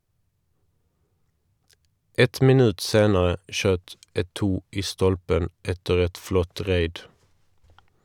Ett minutt senere skjøt Eto'o i stolpen etter et flott raid.